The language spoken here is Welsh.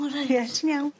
O reit. Ie ti'n iawn?